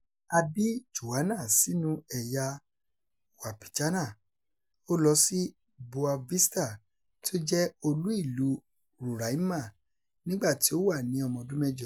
A bí Joana sínú ẹ̀yà Wapichana, ó lọ sí Boa Vista tí ó jẹ́ olú-ìlú Roraima nígbà tí ó wà ní ọmọ ọdún mẹ́jọ.